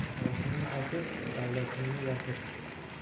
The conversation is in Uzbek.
yoshingni oshir daviatingni yashir